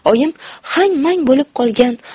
oyim hang mang bo'lib qolgan